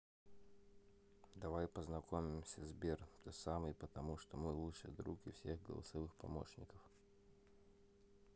давай познакомимся сбер ты самый потому что мой лучший друг и всех голосовых помощников